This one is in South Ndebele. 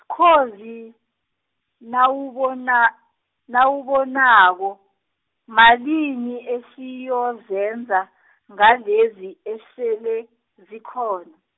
sikhozi, nawubona nawubonako, malini esiyozenza , ngalezi esele, zikhona.